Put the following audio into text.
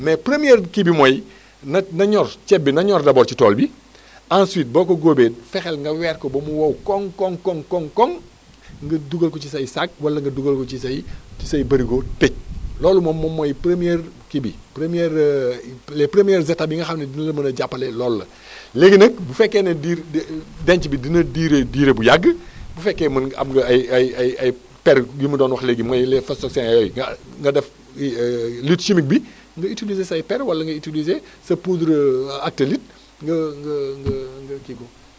mais première kii bi mooy na na ñor ceeb bi na ñor d' abord ci tool bi ensuite boo ko góobee fexeel nga weer ko ba mu wow koŋŋ koŋŋ koŋŋ koŋŋ nga dugal ko ci say saak wala nga dugal ko ci say ci say bërigo tëj loolu moom moom mooy première kii bi première les premières étapes yi nga xam ne dina la mën a jàppale loolu la léegi nag bu fekkee ne diir denc bi dina durer durée bu yàgg bu fekkee mën nga am nga ay ay ay ay ay per yu mu doon wax léegi mooy les phostoxin yooyu nga nga def lutte chimique bi nga utilisé say per wala nga utilisé sa poudre actélite nga nga nga nga nga kii ko